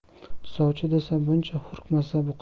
sovchi desa muncha hurkmasa bu qiz